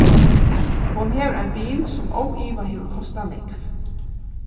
hon hevur ein bil sum óivað hevur kostað nógv